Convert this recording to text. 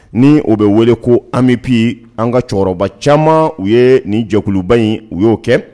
Ni o bɛ weele ko AMUPI n' an ka cɛkɔrɔba caaman ye nin jɛkuluba in u y'o kɛ!